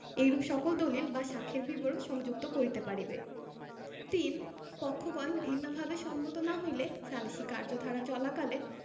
এইরূপ সকল দলিল বা সাক্ষ্যের বিবরণ সংযুক্ত করিতে পারিবে ৩ পক্ষগণ ভিন্নভাবে সম্মত না হইলে সালিসী কার্যধারা চলাকালে